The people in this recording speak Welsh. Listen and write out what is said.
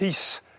pys